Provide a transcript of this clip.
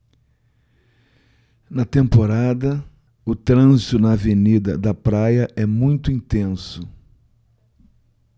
na temporada o trânsito na avenida da praia é muito intenso